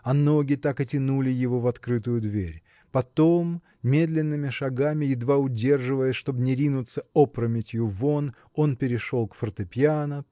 а ноги так и тянули его в открытую дверь. Потом медленными шагами едва удерживаясь чтоб не ринуться опрометью вон он перешел к фортепиано